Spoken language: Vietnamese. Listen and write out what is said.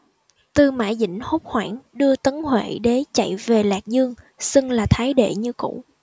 tư mã dĩnh hoảng đưa tấn huệ đế chạy về lạc dương xưng là thái đệ như cũ